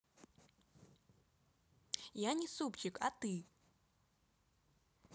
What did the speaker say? я не супчик а ты